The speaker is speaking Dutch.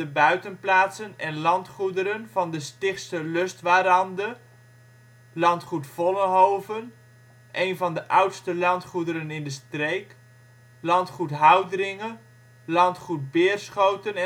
buitenplaatsen en landgoederen van de Stichtse Lustwarande: Landgoed Vollenhoven → één van de oudste landgoederen in de streek Landgoed Houdringe Landgoed Beerschoten